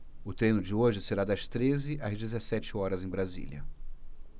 o treino de hoje será das treze às dezessete horas em brasília